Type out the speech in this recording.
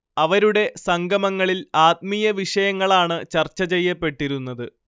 അവരുടെ സംഗമങ്ങളിൽ ആത്മീയവിഷയങ്ങളാണ് ചർച്ചചെയ്യപ്പെട്ടിരുന്നത്